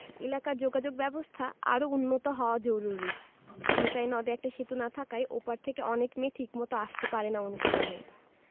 এলাকার যোগাযোগব্যবস্থা আরও উন্নত হওয়া জরুরি নিতাই নদে একটা সেতু না থাকায় ও পার থেকে অনেক মেয়ে ঠিকমতো আসতে পারে না অনুশীলনে